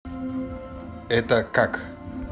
это как